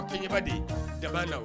Kɛɲɛba de jaba naw